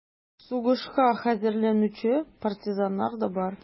Сугышка хәзерләнүче партизаннар да бар: